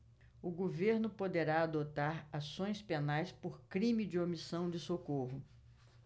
o governo poderá adotar ações penais por crime de omissão de socorro